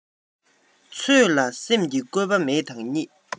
ཚོད ལ སེམས ཀྱི བཀོད པ མེད དང གཉིས